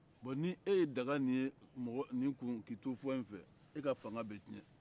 bɔn ni e y'o daga nin ye mɔgɔ nin kun k'i to fo yan fɛ e ka fanga bɛ cɛn